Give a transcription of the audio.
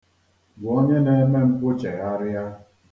Gwa onye na-eme mpụ chegharịa.